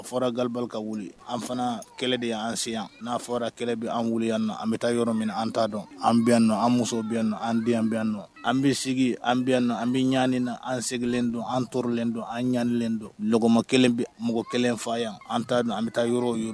A fɔraba ka wuli an fana kɛlɛ de y anan se yan n'a fɔra kɛlɛ bɛ an wu an na an bɛ taa yɔrɔ min an' dɔn an bɛyan nɔ an musow bɛ yan an den bɛ nɔ an bɛ sigi an bɛ an bɛ ɲni na an seglen don an tlen don an ɲanlen don kɔma kelen bɛ mɔgɔ kelen fa yan an' dɔn an bɛ taa yɔrɔ o yɔrɔ